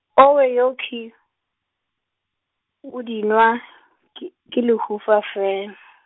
owe yokhwi, o dirwa , ke ke lehufa fela.